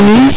alo oui